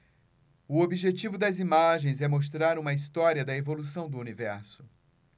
o objetivo das imagens é mostrar uma história da evolução do universo